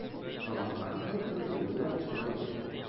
Талантларның күп төрле булуы да бик табигый.